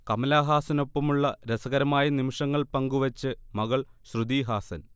കമലഹാസനൊപ്പമുള്ള രസകരമായ നിമിഷങ്ങൾ പങ്കുവെച്ച് മകൾ ശ്രുതി ഹാസൻ